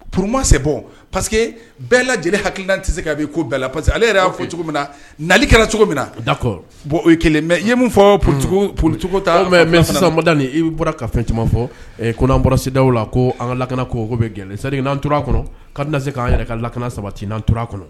Purma sɛ parce que bɛɛ lajɛlen hakili tɛ se ka bi ko bɛɛ la parce que ale yɛrɛ y' fɔ cogo min na nali kɛra cogo min na da bon o kelen mɛ min fɔ pcogo mɛ sada i bɔra ka fɛn caman fɔ ko bɔrasidaw la ko an ka lakana kogo bɛ gɛlɛn sarian t kɔnɔ ka bɛna se k'an yɛrɛ ka lakana sabatian t a kɔnɔ